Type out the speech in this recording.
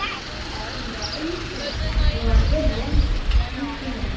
Шунда әнисе, баласы белән күченә.